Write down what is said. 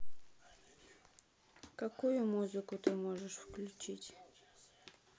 какую музыку ты можешь включить